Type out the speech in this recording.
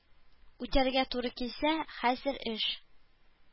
Үтәргә туры килсә, хәзер эш